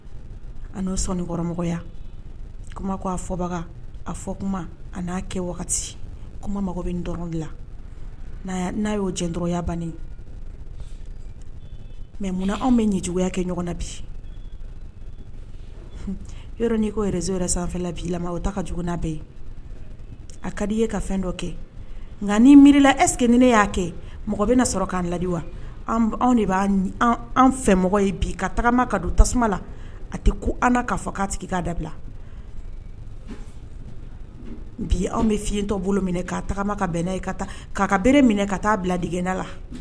An'o sɔnɔnikɔrɔmɔgɔya kuma a fɔbaga a fɔ n' kɛ bɛ dɔrɔn la n'a y'o dɔgɔtɔrɔya bannen munna anw bɛ ɲɛ juguyaya kɛ ɲɔgɔn na bi yɔrɔ'i kozo sanfɛ'i o ta ka jugu bɛɛ a ka di i ye ka fɛn dɔ kɛ nka' miirila esg ni ne y'a kɛ mɔgɔ bɛna sɔrɔ k'an ladi wa de b bɛ fɛmɔgɔ ye bi ka tagama ka don tasuma la a tɛ ko an kaa fɔ k' tigi k ka dabila bi anw bɛ fiɲɛtɔ bolo minɛ' tagama ka bɛnna ka' ka bereere minɛ ka taa bila diggɛna la